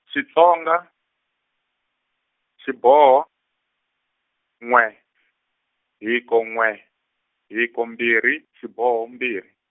xitsonga xiboho n'we hiko n'we hiko mbirhi xiboho mbirhi.